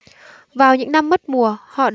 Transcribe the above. vào những năm mất mùa họ